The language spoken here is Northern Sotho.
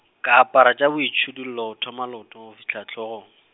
ka apara tša boitšhidullo go thoma leotong go fihla hlogong.